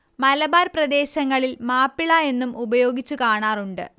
മലബാർ പ്രദേശങ്ങളിൽ മാപ്പിള എന്നും ഉപയോഗിച്ചു കാണാറുണ്ട്